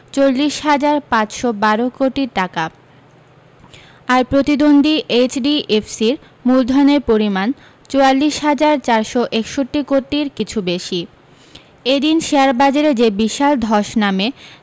চল্লিশ হাজার পাঁচশ বারো কোটি টাকা আর প্রতিদ্বন্দ্বী এইচডিইফসির মূলধনের পরিমাণ চুয়াল্লিশ হাজার চারশো একষট্টি কোটির কিছু বেশী এদিন শেয়ার বাজারে যে বিশাল ধস নামে